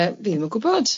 Yy fi'm yn gwbod.